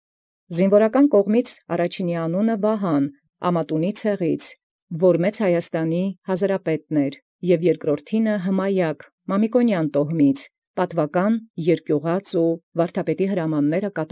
Ի զինուորական կողմանէն առաջնումն Վահան անուն յազգէն Ամատունեաց, որ էր հազարապետ Հայոց Մեծաց, և երկրորդին Հմայեակ՝ ի Մամիկոնեան տոհմէն, արք պատուականք, երկիւղածք, հրամանակատարք վարդապետական հրամանաց։